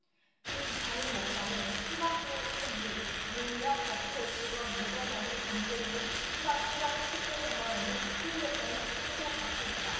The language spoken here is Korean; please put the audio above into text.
김 담임목사는 소망교회 소속 및 용역업체 직원 여덟 명의 임금 및 수당 일 억 칠백 여만원을 체불했다는 혐의도 받고 있다